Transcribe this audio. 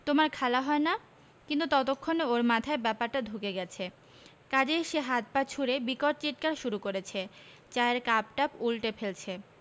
তোমার খালা হয় না কিন্তু ততক্ষণে ওর মাথায় ব্যাপারটা ঢুকে গেছে কাজেই সে হাত পা ছুড়ে বিকট চিৎকার শুরু করেছে চায়ের কাপটাপ উল্টে ফেলছে